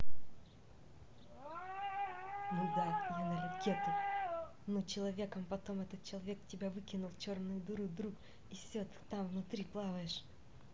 ну да я на ракету ну человеком потом этот человек тебя выкинул черную дуры друг и все и ты там внутри плаваешь